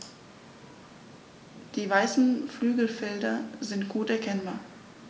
Die weißen Flügelfelder sind gut erkennbar.